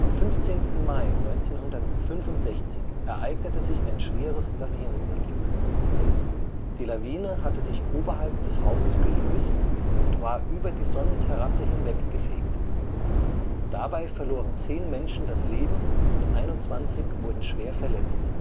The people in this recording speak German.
15. Mai 1965 ereignete sich ein schweres Lawinenunglück. Die Lawine hatte sich oberhalb des Hauses gelöst und war über die Sonnenterrasse hinweggefegt. Dabei verloren zehn Menschen das Leben und 21 wurden schwer verletzt